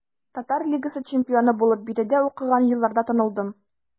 Татар лигасы чемпионы булып биредә укыган елларда танылдым.